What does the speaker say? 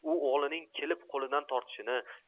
u o'g'lining kelib qo'lidan tortishini